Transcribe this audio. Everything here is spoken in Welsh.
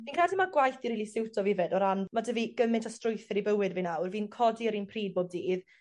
...fi'n credu ma'r gwaith 'ny rili siwtio fi 'fyd o ran ma' 'dy fi gymint o strwythur i bywyd fi nawr fi'n codi yr un pryd bob dydd.